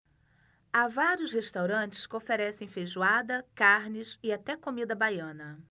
há vários restaurantes que oferecem feijoada carnes e até comida baiana